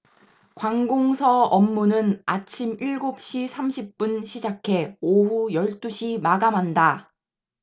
관공서 업무는 아침 일곱 시 삼십 분 시작해 오후 열 두 시 마감한다